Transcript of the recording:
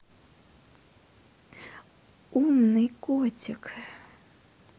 умный котик